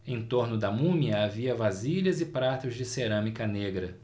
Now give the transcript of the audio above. em torno da múmia havia vasilhas e pratos de cerâmica negra